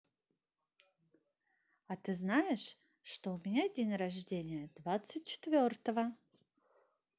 а ты знаешь что у меня день рождения двадцать четвертого